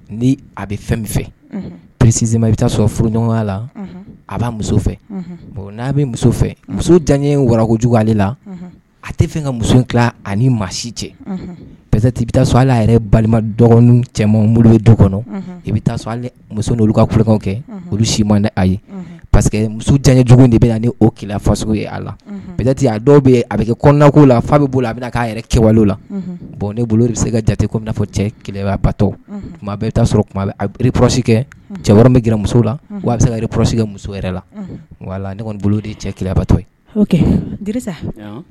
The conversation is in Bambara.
Ni a bɛ fɛn min fɛ presi i bɛ furuɲɔgɔnya la a b'a muso fɛ n'a bɛ muso fɛ musojan ye warajugu la a tɛ fɛn ka muso tila ani maa si cɛ pteti i bɛ so balima dɔgɔnin cɛ du kɔnɔ i bɛ muso ka kukan kɛ olu si ma a ye pa que muso jan jugu de bɛ o faso ye a la pti a dɔw a bɛ kɛ kɔnɔnako la fa bɛ bolo a k'a yɛrɛ kɛwale la bon ne bolo de bɛ se ka jatea fɔ cɛbabatɔsi kɛ cɛkɔrɔba bɛ g kiramuso la o bɛ se kare psi muso yɛrɛ la wala ne kɔni bolo cɛbatɔ ye